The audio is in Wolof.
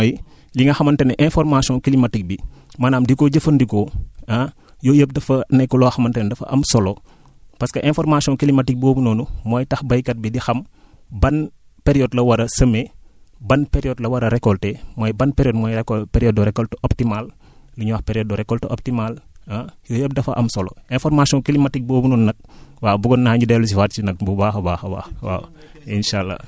voilà même ci wàllum prévisions yi li nga xamante ne information climatique bi maanaam di ko jëfandikoo ah yooyu yépp dafa nekk loo xamante ne dafa am solo parce que information climatique boobu noonu mooy tax baykat bi di xam ban période la war a semer ban période la war a récolter mooy ban période mooy récol période récolte optimale li ñuy wax période de récolte optimale ah yooyu yëépp dafa am solo information climatique boobu noonu nag waaw buggoon naa ñu dellusiwaat si nag bu baax a baax a baax